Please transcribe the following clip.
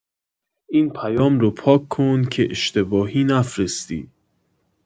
این پیام رو پاک‌کن که اشتباهی نفرستی